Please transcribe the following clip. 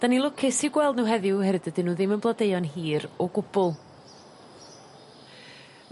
'Dan ni'n lwcus i'w gweld n'w heddiw oherwydd dydyn n'w ddim yn blodeuo'n hir o gwbwl.